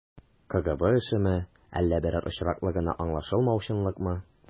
КГБ эшеме, әллә берәр очраклы гына аңлашылмаучанлыкмы?